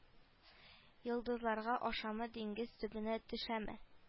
Йолдызларга ашамы диңгез төбенә төшәме